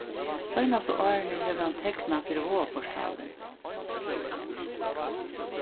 seinastu árini hevur hann teknað fyri vágaportalin